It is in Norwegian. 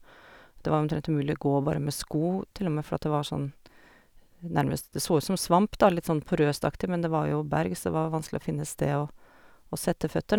Det var omtrent umulig å gå bare med sko, til og med, for at det var sånn nærmest, det så ut som svamp, da, litt sånn porøst-aktig, men det var jo berg, så det var vanskelig å finne sted å å sette føttene.